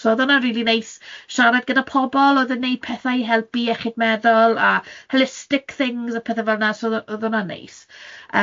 So oedd hwnna'n rili neis siarad gyda pobl, oedd yn wneud pethau i helpu iechyd meddwl a holistic things a pethe fel 'na so oedd o oedd hwnna'n neis.